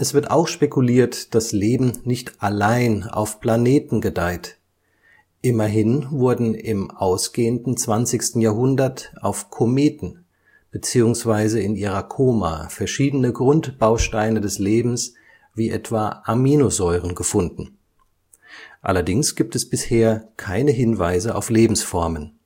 wird auch spekuliert, dass Leben nicht allein auf Planeten gedeiht: Immerhin wurden im ausgehenden 20. Jahrhundert auf Kometen beziehungsweise in ihrer Koma verschiedene Grundbausteine des Lebens wie etwa Aminosäuren gefunden. Allerdings gibt es bisher keine Hinweise auf Lebensformen